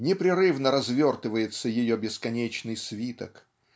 непрерывно развертывается ее бесконечный свиток.